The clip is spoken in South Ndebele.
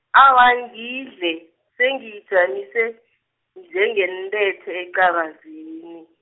awa ngidle, sengiyijamise, njengentethe ecabazini.